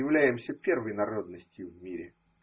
являемся первой народностью в мире.